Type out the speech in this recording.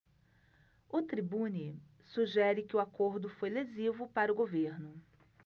o tribune sugere que o acordo foi lesivo para o governo